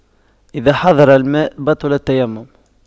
إذا حضر الماء بطل التيمم